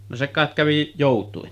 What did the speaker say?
no se kai kävi joutuin